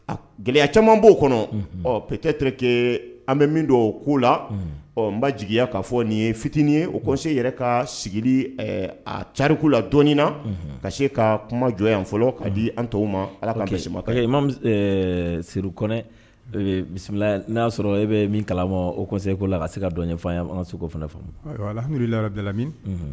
Gɛlɛya caman b'o kɔnɔ pte terikɛke an bɛ min don o ko la ɔ n ba jiginya k'a fɔ nin ye fitinin ye o kose yɛrɛ ka sigi a cariku la dɔɔnin na ka se ka kuma jɔ yan fɔlɔ k kaa di an tɔw ma ala k'a sekɛ bisimila n'a y'a sɔrɔ e bɛ min kala ma ose' la ka se ka dɔnfan an ka seko fanahamdu dalala min